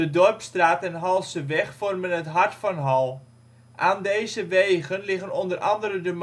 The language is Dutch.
Dorpsstraat en Hallseweg vormen het hart van Hall. Aan deze wegen liggen onder andere de